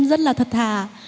rất là thật thà